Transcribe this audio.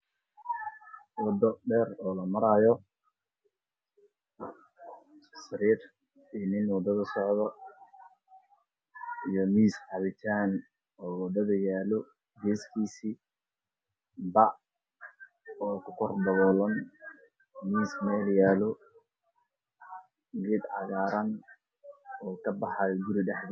Meeshan waxaa ka baxaya geedo farabadan oo cagaaran sida mooska